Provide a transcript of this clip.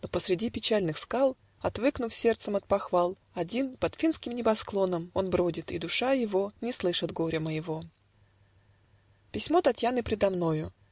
Но посреди печальных скал, Отвыкнув сердцем от похвал, Один, под финским небосклоном, Он бродит, и душа его Не слышит горя моего. Письмо Татьяны предо мною